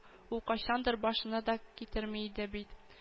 Ул кайчандыр башына да китерми иде бит